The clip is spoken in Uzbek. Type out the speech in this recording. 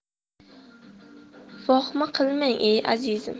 vohma qilmang e azizim